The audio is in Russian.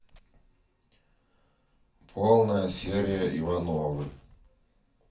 полная серия ивановы